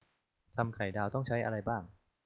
ทำไข่ดาวต้องใช้อะไรบ้าง